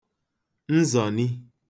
nzọ̀ni